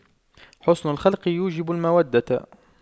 حُسْنُ الخلق يوجب المودة